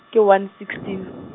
ke one sixteen.